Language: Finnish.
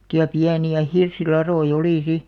semmoisia pieniä hirsilatoja oli sitten